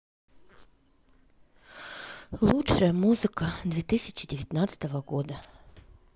лучшая музыка две тысячи девятнадцатого года